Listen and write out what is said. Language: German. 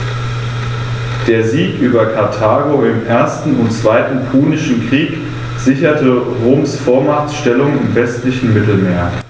Der Sieg über Karthago im 1. und 2. Punischen Krieg sicherte Roms Vormachtstellung im westlichen Mittelmeer.